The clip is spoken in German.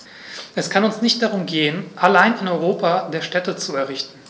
Es kann uns nicht darum gehen, allein ein Europa der Städte zu errichten.